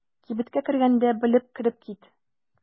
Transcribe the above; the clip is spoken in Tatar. Кибеткә кергәндә белеп кереп кит.